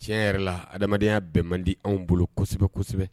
Tiɲɛ yɛrɛ la adamadamadenyaya bɛn man di anw bolo kosɛbɛ kosɛbɛ